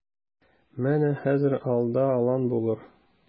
Менә хәзер алда алан булыр.